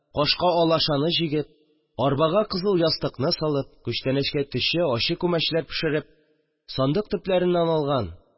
Кашка алашаны җигеп, арбага кызыл ястыкны салып, күчтәнәчкә төче ачы күмәчләр пешереп, сандык төпләреннән алган